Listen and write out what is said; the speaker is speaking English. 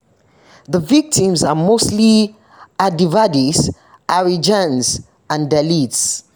The victims are mostly Adivasis, Harijans and Dalits.